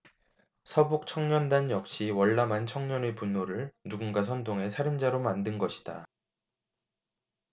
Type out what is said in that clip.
서북청년단 역시 월남한 청년의 분노를 누군가 선동해 살인자로 만든 것이다